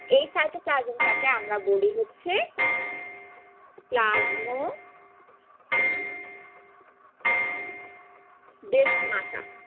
এই সাইটোপ্লাজম টাকে আমরা বলি হচ্ছে প্লাজমোডেসমাটা